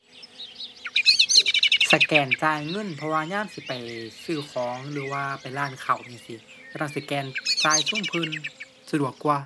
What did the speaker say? สแกนจ่ายเงิน เพราะยามสิไปซื้อของหรือว่าไปร้านข้าวนี่สิ สแกนจ่ายซุมเพิ่น สะดวกกว่า